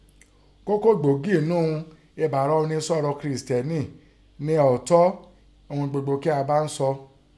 Kókó gbòógì ńnú ẹ̀bára ọni sọ̀rọ̀ kìrìsìtẹ̀ẹ́nì nẹ ọ̀ọ́tọ́ ńnú ihun gbogbo kín a bá sọ